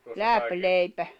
läpileipä